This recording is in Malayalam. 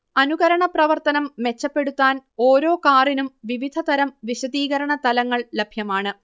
അനുകരണ പ്രവർത്തനം മെച്ചപ്പെടുത്താൻ ഓരോ കാറിനും വിവിധ തരം വിശദീകരണ തലങ്ങൾ ലഭ്യമാണ്